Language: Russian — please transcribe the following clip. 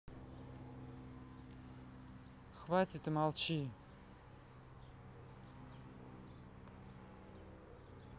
хватит и молчи